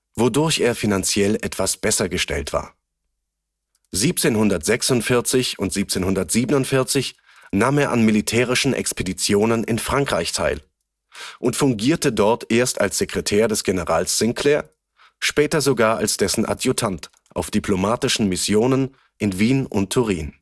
wodurch er finanziell etwas besser gestellt war. 1746 und 1747 nahm er an militärischen Expeditionen in Frankreich teil und fungierte dort erst als Sekretär des Generals Sinclair, später sogar als dessen Adjutant auf diplomatischen Missionen in Wien und Turin